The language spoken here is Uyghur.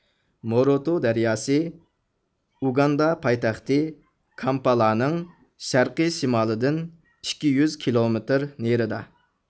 موروتو دەرياسى ئۇگاندا پايتەختى كامپالانىڭ شەرقىي شىمالىدىن ئىككى يۈز كىلومېتىر نېرىدا